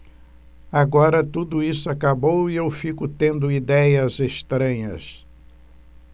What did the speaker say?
agora tudo isso acabou e eu fico tendo idéias estranhas